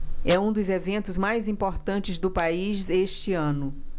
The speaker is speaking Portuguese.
é um dos eventos mais importantes do país este ano